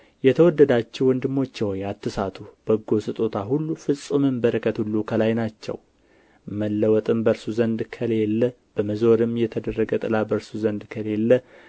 የተወደዳችሁ ወንድሞቼ ሆይ አትሳቱ በጎ ስጦታ ሁሉ ፍጹምም በረከት ሁሉ ከላይ ናቸው መለወጥም በእርሱ ዘንድ ከሌለ በመዞርም የተደረገ ጥላ በእርሱ ዘንድ ከሌለ